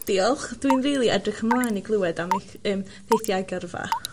Diolch. Dwi'n rili edrych ymlaen i glŵed am eich yym ffeithiau gyrfa.